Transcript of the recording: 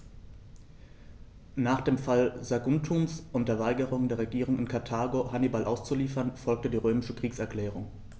Nach dem Fall Saguntums und der Weigerung der Regierung in Karthago, Hannibal auszuliefern, folgte die römische Kriegserklärung.